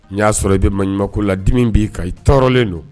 Ni y'a sɔrɔ i de ma ɲuman ladimi bi ka i tɔɔrɔlen don